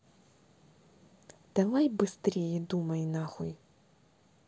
давай быстрее думай нахуй